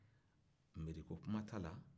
merikokuma t'a la